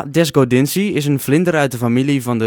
desgodinsi is een vlinder uit de familie van de